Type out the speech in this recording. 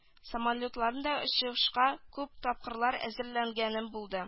Самолетларны да очышка күп тапкырлар әзерләгәнем булды